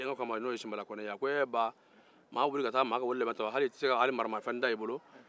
a denkɛ simbala kɔnɛ ko a ko baa maa bɛ taa ma ka weele lajɛ hal'i tɛ aramafɛn ta i bolo